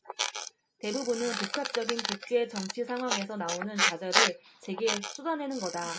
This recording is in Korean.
대부분은 복합적인 국제 정치 상황에서 나오는 좌절을 제게 쏟아내는 거다